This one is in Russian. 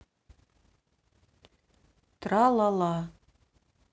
тра ла ла